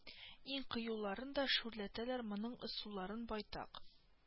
Иң кыюларын да шүрләтәләр моның ысуллары байтак